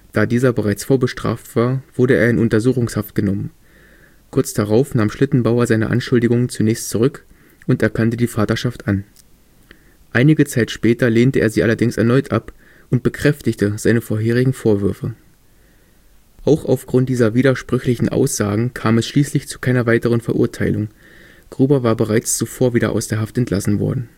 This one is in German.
Da dieser bereits vorbestraft war, wurde er in Untersuchungshaft genommen. Kurz darauf nahm Schlittenbauer seine Anschuldigungen zunächst zurück und erkannte die Vaterschaft an. Einige Zeit später lehnte er sie allerdings erneut ab und bekräftigte seine vorherigen Vorwürfe. Auch aufgrund dieser widersprüchlichen Aussagen kam es schließlich zu keiner weiteren Verurteilung, Gruber war bereits zuvor wieder aus der Haft entlassen worden